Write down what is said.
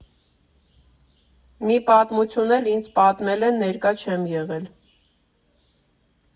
Մի պատմություն էլ ինձ պատմել են, ներկա չեմ եղել։